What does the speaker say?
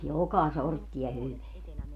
joka sorttia hyvää